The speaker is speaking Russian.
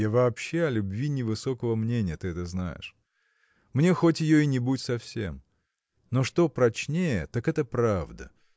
я вообще о любви невысокого мнения – ты это знаешь мне хоть ее и не будь совсем. но что прочнее – так это правда.